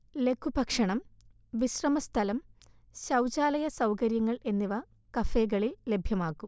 ലഘുഭക്ഷണം, വിശ്രമസ്ഥലം, ശൗചാലയ സൗകര്യങ്ങൾ എന്നിവ കഫേകളിൽ ലഭ്യമാകും